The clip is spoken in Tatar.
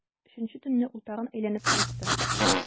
Өченче төнне ул тагын әйләнеп кайтты.